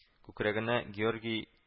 Күкрәгенә Георгий